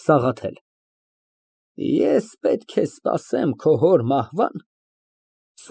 ՍԱՂԱԹԵԼ ֊ Ես պետք է սպասեմ քո հոր մահվա՞ն։